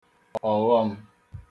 ọghọm